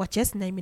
Wa cɛ sina minɛ